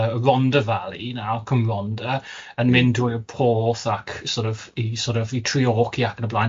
y Rhondda Valley, nawr Cwm Rondda, yn mynd drwy'r porth ac sor' of i sor' of i Treorci ac yn y blaen